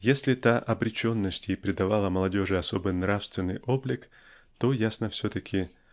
Если эта "обреченность" и придавала молодежи особый нравственный облик то ясно все-таки